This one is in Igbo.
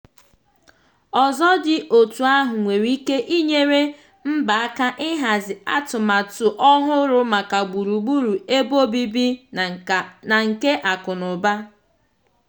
Ozi dị otu ahụ nwere ike ịnyere mba aka ịhazi atụmatụ ọhụrụ maka gburugburu ebe obibi na nke akụ na ụba.